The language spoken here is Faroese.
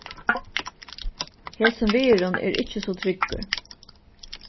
hesin vegurin er ikki so tryggur